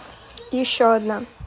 еще одна